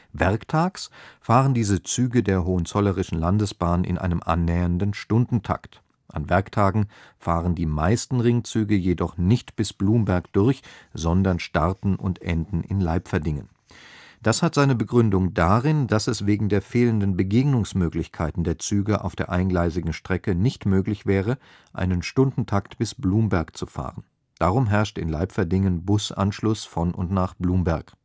Werktags fahren diese Züge der Hohenzollerischen Landesbahn in einem annähernden Stunden-Takt. An Werktagen fahren die meisten Ringzüge jedoch nicht bis Blumberg durch, sondern starten und enden in Leipferdingen. Das hat seine Begründung darin, dass es wegen der fehlenden Begegnungsmöglichkeiten der Züge auf der eingleisigen Strecke nicht möglich wäre, einen Stunden-Takt bis Blumberg zu fahren. Darum herrscht in Leipferdingen Busanschluss von und nach Blumberg